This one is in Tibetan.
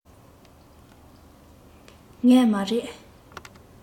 ངས མ རེད